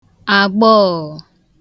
àgbọọ̀